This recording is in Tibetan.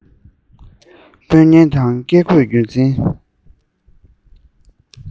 དཔོན ངན དང བཀས བཀོད རྒྱུད འཛིན